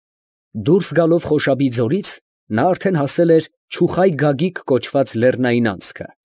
Դուրս գալով Խոշաբի ձորից, նա արդեն հասել էր Չուխայ Գագիկ կոչված լեռնային անցքը։